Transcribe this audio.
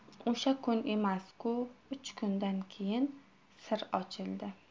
o'sha kuni emas ku uch kundan keyin sir ochildi